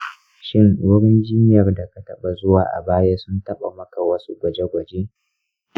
shin wurin jinyar da ka taba zuwa a baya sun taba maka wasu gwaje gwaje?